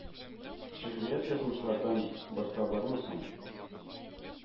Шигърият язмышлардан башка бармы соң